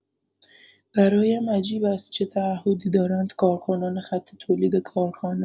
برایم عجیب است چه تعهدی دارند کارکنان خط تولید کارخانه.